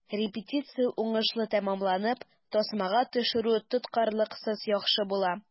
Репетиция уңышлы тәмамланып, тасмага төшерү тоткарлыксыз яхшы була.